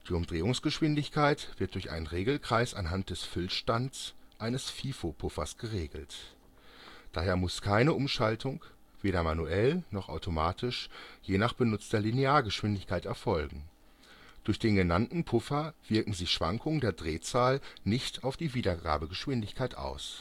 Umdrehungsgeschwindigkeit wird durch einen Regelkreis anhand des Füllstandes eines FIFO-Puffers geregelt. Daher muss keine Umschaltung (weder manuell noch automatisch) je nach benutzter Linear-Geschwindigkeit erfolgen. Durch den genannten Puffer wirken sich Schwankungen der Drehzahl nicht auf die Wiedergabegeschwindigkeit aus